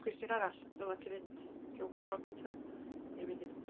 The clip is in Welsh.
Cwestiwn arall ddyla ti fynd rownd Caernarfon gyntaf neu wedyn?